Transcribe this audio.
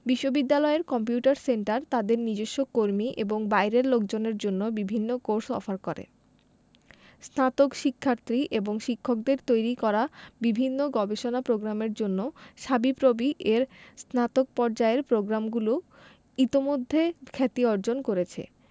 বিশ্ববিদ্যালয়ের computer centre তাদের নিজস্ব কর্মী এবং বাইরের লোকজনের জন্য বিভিন্ন কোর্স অফার করে স্নাতক শিক্ষার্থী এবং শিক্ষকদের তৈরি করা বিভিন্ন গবেষণা প্রোগ্রামের জন্য সাবিপ্রবি এর স্নাতক পর্যায়ের প্রগ্রামগুলি ইতোমধ্যে খ্যাতি অর্জন করেছে